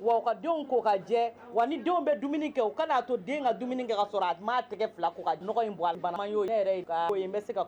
Ka denw k ka jɛ wa denw bɛ dumuni kɛ o kana'a to den ka dumuni kɛ ka sɔrɔ a m' tɛgɛ fila ko ka in bu y yɛrɛ bɛ se